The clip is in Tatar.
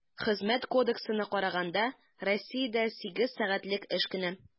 Хезмәт кодексына караганда, Россиядә сигез сәгатьлек эш көне.